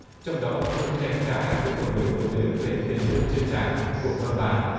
trong đó ông phương tranh cãi với một người phụ nữ về tiền lương chơi cha của con bà